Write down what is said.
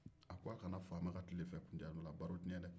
a k'aw kana faama ka tilefɛ baro tiɲɛ dɛ